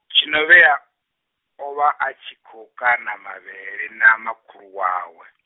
Tshinovhea, o vha a tshi khou kana mavhele na makhulu wawe .